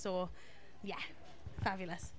So, ie. Fabulous.